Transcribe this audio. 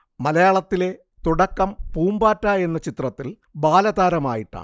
മലയാളത്തിലെ തുടക്കം പൂമ്പാറ്റ എന്ന ചിത്രത്തിൽ ബാലതാരമായിട്ടാണ്